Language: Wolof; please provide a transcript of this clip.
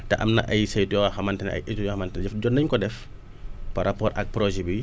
te am na ay saytu yoo xamante ne ay études yoo xamante ne def jot nañ ko def par rapport ak projet bii